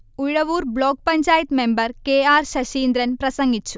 Uzhavoor block panchayat member K. R. Saseendran പ്രസംഗിച്ചു